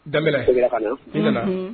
Daɛna i bɛna